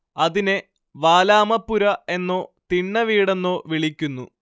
അതിനെ വാലാമപ്പുര എന്നോ തിണ്ണവീടെന്നോ വിളിക്കുന്നു